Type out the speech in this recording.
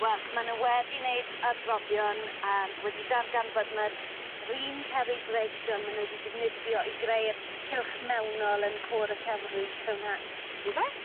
Wel ma' nw wedi neud arbrofion yym wedi darganfod ma'r 'r un cerrig gleision ma' nw 'di defnyddio i greu'r cylch mewnol yn Côr y Cewri Stonehenge. Yfe?